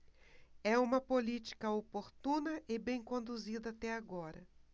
é uma política oportuna e bem conduzida até agora